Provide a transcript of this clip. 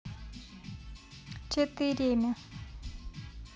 четыремя